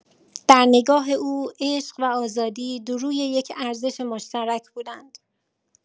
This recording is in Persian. در نگاه او، عشق و آزادی دو روی یک ارزش مشترک بودند.